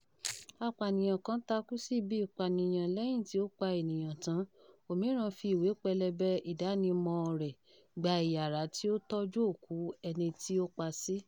Apànìyàn kan takú sí ibi ìpànìyàn lẹ́yìn tí ó pa ènìyàn tán; òmíràn fi ìwé pẹlẹbẹ ìdánimọ̀ọ rẹ̀ gba iyàrá tí ó tọ́jú òkú ẹni tí ó pa sí.